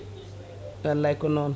wallay ko noon